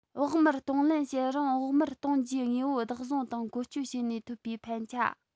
བོགས མར གཏོང ལེན བྱེད རིང བོགས མར གཏོང རྒྱུའི དངོས པོ བདག བཟུང དང བཀོལ སྤྱོད བྱས ནས ཐོབ པའི ཕན ཆ